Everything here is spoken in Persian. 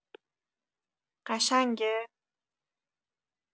قشنگه؟